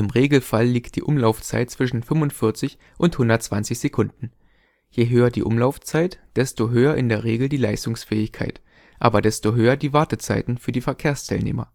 Regelfall liegt die Umlaufzeit zwischen 45 und 120 Sekunden. Je höher die Umlaufzeit, desto höher in der Regel die Leistungsfähigkeit, aber desto höher die Wartezeiten für die Verkehrsteilnehmer